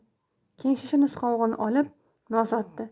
keyin shisha nosqovog'ini olib nos otdi